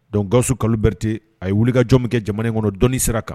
Dɔn gaso kalo berete a ye wulikajɔ min kɛ jamana kɔnɔ dɔɔnini sira kan